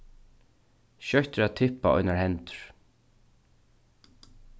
skjótt er at tippa einar hendur